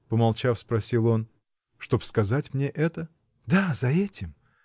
— помолчав, спросил он, — чтоб сказать мне это?. — Да, за этим!